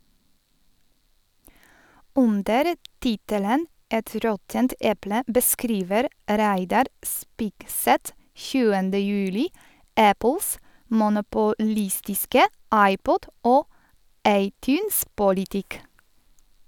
Under tittelen «Et råttent eple» beskriver Reidar Spigseth 7. juli Apples monopolistiske iPod- og iTunes-politikk.